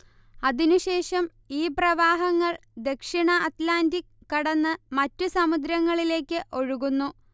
അതിനുശേഷം ഈ പ്രവാഹങ്ങൾ ദക്ഷിണ അറ്റ്ലാന്റിക് കടന്ന് മറ്റു സമുദ്രങ്ങളിലേക്ക് ഒഴുകുന്നു